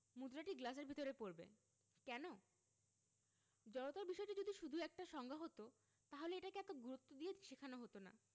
মুদ্রাটি গ্লাসের ভেতর পড়বে কেন জড়তার বিষয়টি যদি শুধু একটা সংজ্ঞা হতো তাহলে এটাকে এত গুরুত্ব দিয়ে শেখানো হতো না